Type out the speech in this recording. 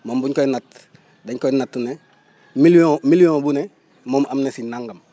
moom bu ñu koy natt dañ koy natt ne million million bu ne moom am na si nangam